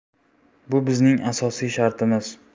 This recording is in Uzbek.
bu bizning asosiy shartimiz